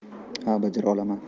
ha bajara olaman